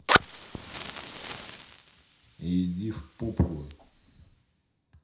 иди в попку